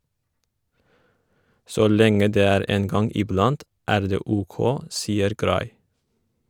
- Så lenge det er en gang iblant, er det OK, sier Gray.